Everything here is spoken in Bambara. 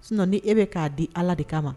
Sisan ni e bɛ k'a di ala de kama ma